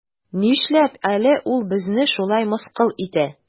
Нишләп әле ул безне шулай мыскыл итә?